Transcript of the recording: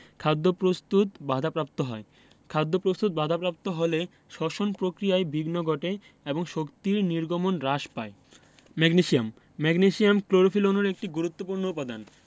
খাদ্য প্রস্তুত বাধাপ্রাপ্ত হয় খাদ্যপ্রস্তুত বাধাপ্রাপ্ত হলে শ্বসন প্রক্রিয়ায় বিঘ্ন ঘটে এবং শক্তি নির্গমন হ্রাস পায় ম্যাগনেসিয়াম ম্যাগনেসিয়াম ক্লোরোফিল অণুর একটি গুরুত্বপুর্ণ উপাদান